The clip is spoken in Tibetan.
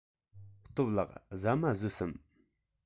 སྟོབས ལགས ཟ མ ཟོས སམ